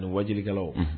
Wa jelikɛlaw